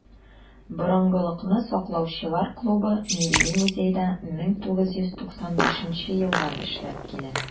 "борынгылыкны саклаучылар" клубы милли музейда 1995 елдан эшләп килә.